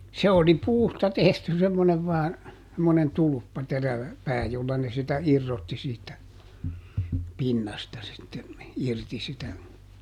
se oli puusta tehty semmoinen vain semmoinen tulppa terävä pää jolla ne sitä irrotti siitä pinnasta sitten irti sitä